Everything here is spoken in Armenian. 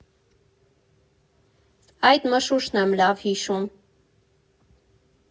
Այդ մշուշն եմ լավ հիշում։